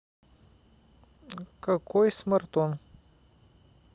какой смартон